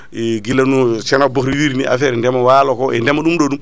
guila no ceerno Aboubcry wirini affaire ndeema walo ko e ndeema ɗumɗo ɗum